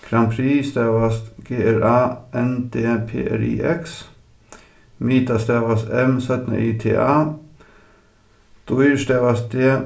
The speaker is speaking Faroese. grandprix stavast g r a n d p r i x myta stavast m y t a dýr stavast d